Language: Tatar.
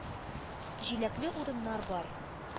Җиләкле урыннары бар.